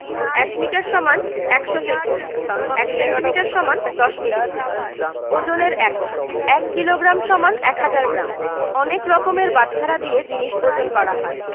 ১ metre = ১০০ centimetre ১ centimetre = ১০ millimetre ওজনের এককঃ ১ kilogram = ১০০০ gram অনেক রকমের বাটখারা দিয়ে জিনিস ওজন করা হয়